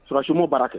Ssiwmuo baara kɛ